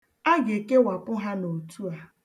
A ga-ekewapụ ha n'otu a.